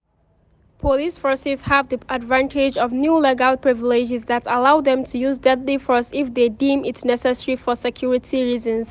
Police forces have the advantage of new legal privileges that allow them to use deadly force if they deem it necessary for security reasons.